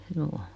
joo